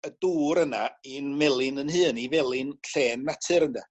y dŵr yna in melyn 'yn hun i felin llên natur ynde?